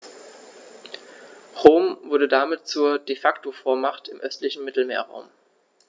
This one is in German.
Rom wurde damit zur ‚De-Facto-Vormacht‘ im östlichen Mittelmeerraum.